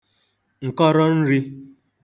ǹkọrọnrī